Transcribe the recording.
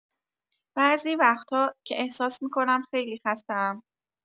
بعضی وقتا که احساس می‌کنم خیلی خسته‌ام.